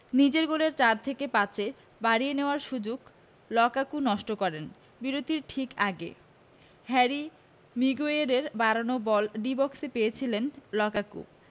নিজের গোল চার থেকে পাঁচে বাড়িয়ে নেওয়ার সুযোগ লুকাকু নষ্ট করেন বিরতির ঠিক আগে হ্যারি মিগুয়েরের বাড়ানো বল ডি বক্সে পেয়েছিলেন লুকাকু